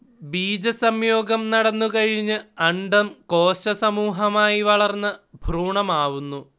ബീജസംയോഗം നടന്നുകഴിഞ്ഞ് അണ്ഡം കോശസമൂഹമായി വളർന്ന് ഭ്രൂണമാവുന്നു